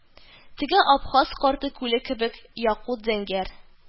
Теге абхаз карты күле кебек якут-зәңгәр